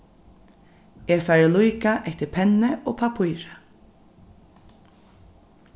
eg fari líka eftir penni og pappíri